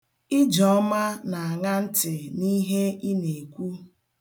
Ijeọma na-aṅa ntị n'ihe ị na-ekwu.